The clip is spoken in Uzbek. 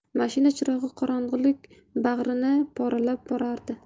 mashina chirog'i qorong'ilik bag'rini poralab borardi